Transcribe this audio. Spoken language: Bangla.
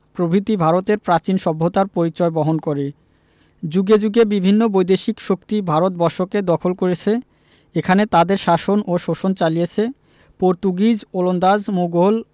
প্রভৃতি ভারতের প্রাচীন সভ্যতার পরিচয় বহন করেযুগে যুগে বিভিন্ন বৈদেশিক শক্তি ভারতবর্ষকে দখল করেছে এখানে তাদের শাসন ও শোষণ চালিছে পর্তুগিজ ওলন্দাজ মুঘল